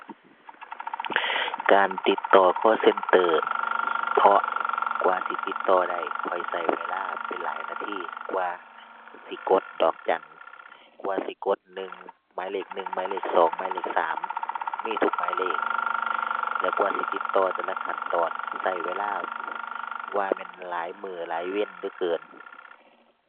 การติดต่อ call center เพราะกว่าสิติดต่อได้ข้อยใช้เวลาไปหลายนาที กว่าสิกดดอกจัน กว่าสิกดหนึ่ง หมายเลขหนึ่ง หมายเลขสอง หมายเลขสาม มีทุกหลายเลข แล้วกว่าสิติดต่อแต่ละขั้นตอนใช้เวลาว่าแม่นหลายมื้อหลายใช้เหลือเกิน